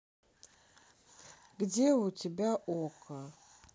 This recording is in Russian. где у тебя okko